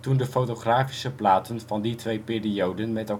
de fotografische platen van die twee perioden met